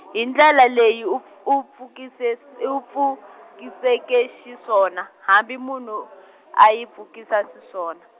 hi ndlela leyi u u pfukise eu- pfukiseke xiswona, hambi munhu, a yi pfukisi xiswona.